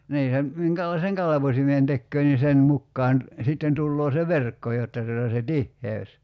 niin ja minkälaisen kalvosimen tekee niin sen mukaan sitten tulee se verkko jotta tuota se tiheys